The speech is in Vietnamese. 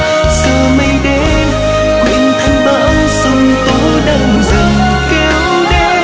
giờ mây đen quyện thành bão giông tố đang dần kéo đến